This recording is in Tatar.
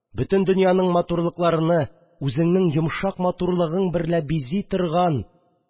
Бөтен дөньяның матурлыкларыны үзеңнең йомшак матурлыгың берлә бизи торган